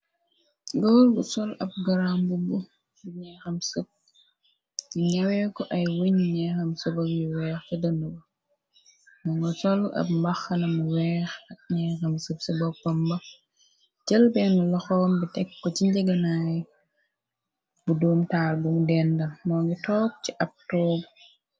Goor bu sol ab garambu bu ñexam sëp yi ngewee ko ay wuñ ñeexam sëbol yu weex te dënd wa mu nga sol ab mbaxanam weex ak neexam sëp ci boppamba jël beenu laxoom bi tekk ko ci njëganaay bu doom taar bumu dendal moo ngi toog ci ab tooba.